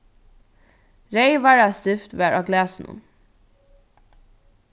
reyð varrastift var á glasinum